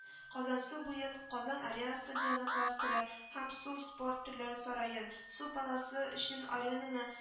Казансу буен, Казан Арена стадионы кластеры һәм Су спорт төрләре сараен, Су полосы өчен аренаны